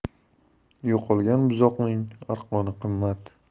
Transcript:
yo'qolgan buzoqning arqoni qimmat